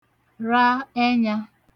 ra ẹnyā